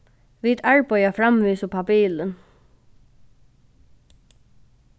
vit arbeiða framvegis upp á bilin